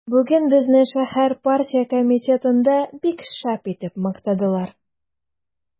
Бүген безне шәһәр партия комитетында бик шәп итеп мактадылар.